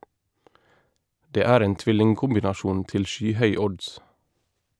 Det er en tvillingkombinasjon til skyhøy odds.